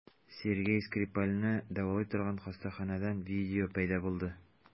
Сергей Скрипальне дәвалый торган хастаханәдән видео пәйда булды.